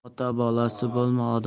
ota bolasi bo'lma